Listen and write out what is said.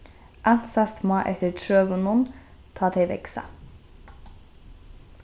ansast má eftir trøunum tá tey vaksa